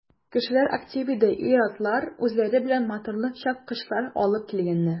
Кешеләр актив иде, ир-атлар үзләре белән моторлы чапкычлар алыпн килгәннәр.